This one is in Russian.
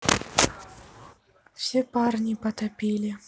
все парни потопили